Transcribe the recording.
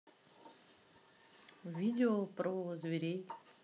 видео про зверей